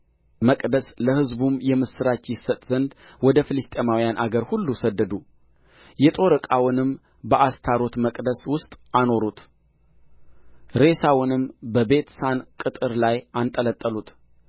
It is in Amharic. መቅደስ ለሕዝቡም የምስራች ይሰጥ ዘንድ ወደ ፍልስጥኤማውያን አገር ሁሉ ሰደዱ የጦር ዕቃውንም በአስታሮት መቅደስ ውስጥ አኖሩት ሬሳውንም በቤትሳን ቅጥር ላይ አንጠለጠሉት